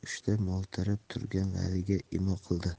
mo'ltirab turgan valiga imo qildi